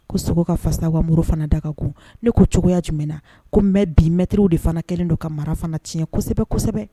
Ko sogo ka fasaw ka muru fana daga kun ne ko cogoya jumɛn na ko mɛ bi mɛtirirw de fana kɛlen don ka mara fana tiɲɛ kosɛbɛsɛbɛ